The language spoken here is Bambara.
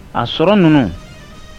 A sɔrɔ ninnu